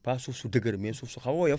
pas suuf su dëgër mais suuf su xaw a woyof